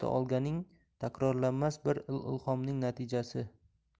eta olganing takrorlanmas bir ilhomning natijasi